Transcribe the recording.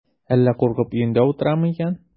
Әллә куркып өендә утырамы икән?